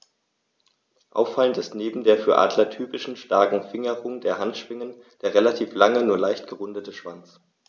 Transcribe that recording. Auffallend ist neben der für Adler typischen starken Fingerung der Handschwingen der relativ lange, nur leicht gerundete Schwanz.